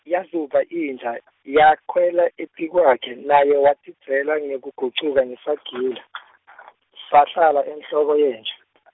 Yazuba inja , yekhwela etikwakhe, naye watidzela wagucuka ngesagila, sahlala enhloko yenja .